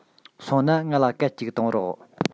སོང ན ང ལ སྐད ཅིག གཏོང རོགས